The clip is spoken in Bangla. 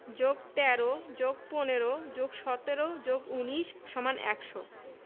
+১৩+১৫+১৭+১৯=১০০